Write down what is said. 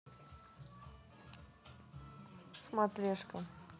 смотрешка